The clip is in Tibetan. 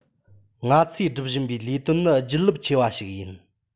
ང ཚོས སྒྲུབ བཞིན པའི ལས དོན ནི བརྗིད རླབས ཆེ བ ཞིག ཡིན